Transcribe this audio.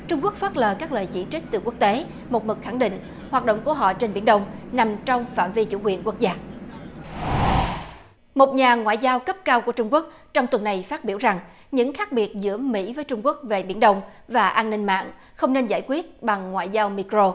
trung quốc phớt lờ các lời chỉ trích từ quốc tế một mực khẳng định hoạt động của họ trên biển đông nằm trong phạm vi chủ quyền quốc gia một nhà ngoại giao cấp cao của trung quốc trong tuần này phát biểu rằng những khác biệt giữa mỹ với trung quốc về biển đông và an ninh mạng không nên giải quyết bằng ngoại giao mi cờ rô